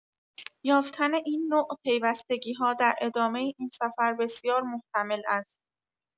یافتن این نوع پیوستگی‌ها در ادامه این سفر بسیار محتمل است.